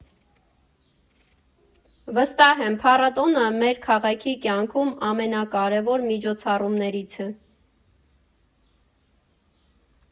Վստահ եմ՝ փառատոնը մեր քաղաքի կյանքում ամենակարևոր միջոցառումներից է։